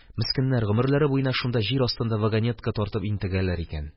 Мескеннәр, гомерләре буена шунда җир астында вагонетка тартып интегәләр икән